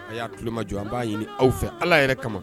A y'a tuloloma jɔ an b'a ɲini aw fɛ ala yɛrɛ kama